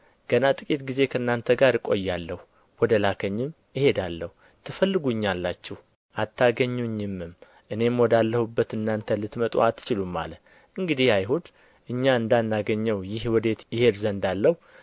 ገና ጥቂት ጊዜ ከእናንተ ጋር እቆያለሁ ወደ ላከኝም እሄዳለሁ ትፈልጉኛላችሁ አታገኙኝምም እኔም ወዳለሁበት እናንተ ልትመጡ አትችሉም አለ እንግዲህ አይሁድ እኛ እንዳናገኘው ይህ ወዴት ይሄድ ዘንድ አለው